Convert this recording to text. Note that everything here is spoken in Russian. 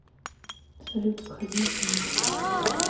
салют выходи из инета